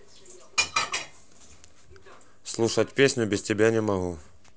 слушать песню без тебя не могу